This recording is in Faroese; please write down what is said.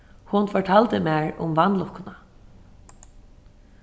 hon fortaldi mær um vanlukkuna